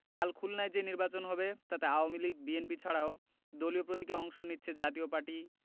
কাল খুলনায় যে নির্বাচন হবে তাতে আওয়ামী লীগ বিএনপি ছাড়াও দলীয় প্রতীকে অংশ নিচ্ছে জাতীয় পার্টি